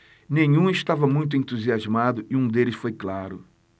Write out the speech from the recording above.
nenhum estava muito entusiasmado e um deles foi claro